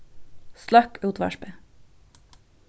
sløkk útvarpið